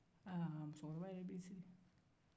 aa musokɔrɔba yɛrɛ b'i sigi